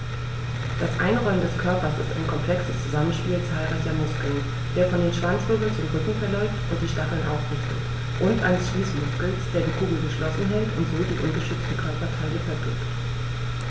Das Einrollen des Körpers ist ein komplexes Zusammenspiel zahlreicher Muskeln, der von den Schwanzwirbeln zum Rücken verläuft und die Stacheln aufrichtet, und eines Schließmuskels, der die Kugel geschlossen hält und so die ungeschützten Körperteile verbirgt.